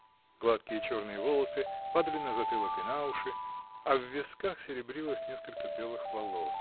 Гладкие черные волосы падали на затылок и на уши, а в висках серебрилось несколько белых волос.